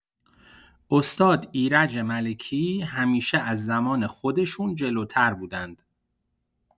استاد ایرج ملکی همیشه از زمان خودشون جلوتر بودند.